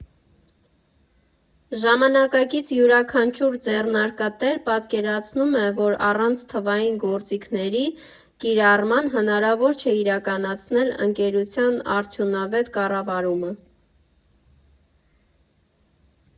Ժամանակակից յուրաքանչյուր ձեռնարկատեր պատկերացնում է, որ առանց թվային գործիքների կիրառման հնարավոր չէ իրականացնել ընկերության արդյունավետ կառավարումը։